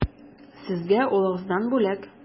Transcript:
Сезгә улыгыздан бүләк.